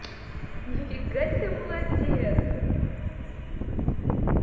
ни фига себе молодец